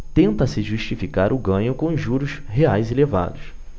tenta-se justificar o ganho com os juros reais elevados